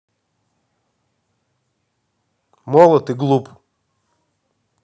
молод и глуп